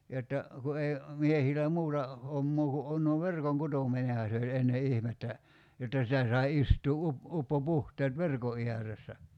jotta kun ei miehillä muuta hommaa kun on no verkonkutominenhan se oli ennen ihmettä jotta sitä sai istua - uppopuhteet verkon ääressä